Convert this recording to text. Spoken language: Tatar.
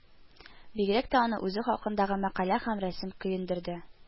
Бигрәк тә аны үзе хакындагы мәкалә һәм рәсем көендерде